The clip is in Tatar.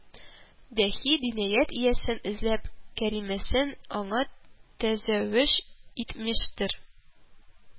Дәхи, диянәт иясен эзләп, кәримәсен аңа тәзәүвеҗ итмештер